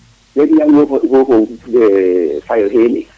*